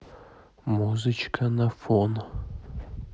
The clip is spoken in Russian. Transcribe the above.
музычка на фон